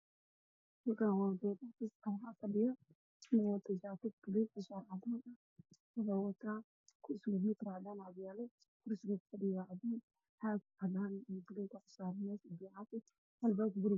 Meshaan waa banan waxaa fadhiyo wiil wato surwaal madow ah iyo shaati cadaan ah